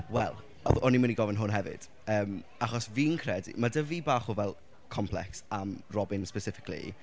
Wel oedd- o'n i'n mynd i gofyn hwn hefyd yym, achos fi'n credu, ma' 'da fi bach o fel complex am Robin specifically...